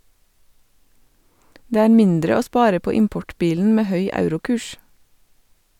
Det er mindre å spare på importbilen med høy eurokurs.